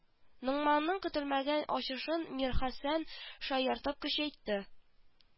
Ногманның көтелмәгән ачышын мирхәсән шаяртып көчәйтте